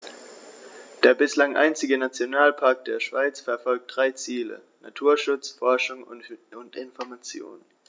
Der bislang einzige Nationalpark der Schweiz verfolgt drei Ziele: Naturschutz, Forschung und Information.